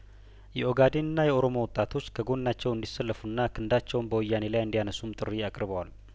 የኦጋዴንና የኦሮሞ ወጣቶች ከጐናቸው እንዲ ሰለፉና ክንዳቸውን በወያኔ ላይ እንዲያነሱም ጥሪ አቅርበዋል